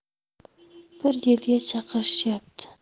bir yilga chaqirishyapti